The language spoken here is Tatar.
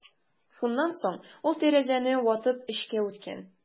Шуннан соң ул тәрәзәне ватып эчкә үткән.